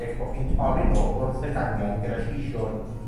eich bod chi'n torri nw wrth y gangen gyda siswrn